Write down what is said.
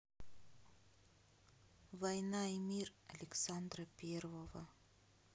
война и мир александра первого